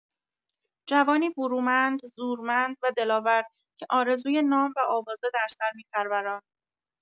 جوانی برومند، زورمند و دلاور که آرزوی نام و آوازه در سر می‌پروراند.